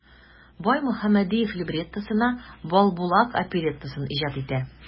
Баймөхәммәдев либреттосына "Балбулак" опереттасын иҗат итә.